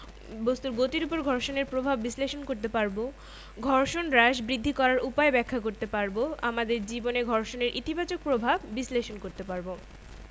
বস্তুর গতির উপর ঘর্ষণের প্রভাব বিশ্লেষণ করতে পারব ঘর্ষণ হ্রাস বৃদ্ধি করার উপায় ব্যাখ্যা করতে পারব আমাদের জীবনে ঘর্ষণের ইতিবাচক প্রভাব বিশ্লেষণ করতে পারব